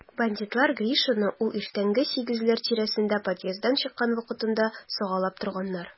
Бандитлар Гришинны ул иртәнге сигезләр тирәсендә подъезддан чыккан вакытында сагалап торганнар.